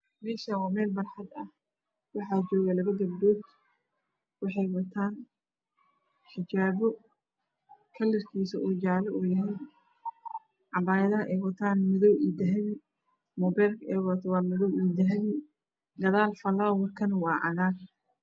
Mashan waa mel banan ah wax tagan labo gabdhod dharka eey watan waa jale madow